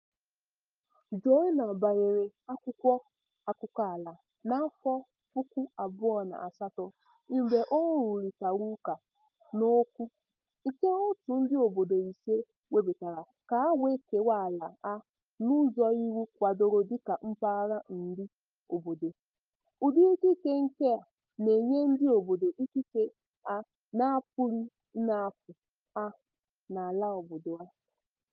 Joênia banyere akwụkwọ akụkọala n'afọ 2008 mgbe ọ rụrịtaraụka n'okwu nke òtù ndị obodo ise webatara ka e kewaa ala ha n'ụzọ iwu kwadoro dịka mpaghara ndị obodo, ụdị ikike nke na-enye ndị obodo ikike ha n'apụghị inapụ ha n'ala obodo ha.